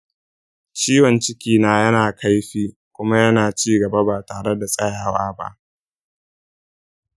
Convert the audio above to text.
ciwon cikina yana kaifi kuma yana ci gaba ba tare da tsayawa ba.